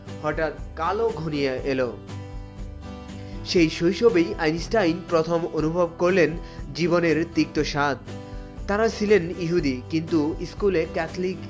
হঠাৎ কাল ঘনিয়ে এল সেই শৈশবেই আইনস্টাইন প্রথম অনুভব করলেন জীবনের তিক্ত স্বাদ তারা ছিলেন ইহুদি কিন্তু স্কুলে ক্যাথলিক